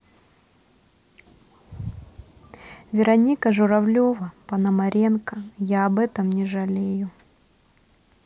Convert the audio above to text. вероника журавлева пономаренко я об этом не жалею